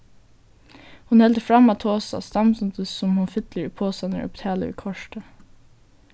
hon heldur fram at tosa samstundis sum hon fyllir í posarnar og betalir við korti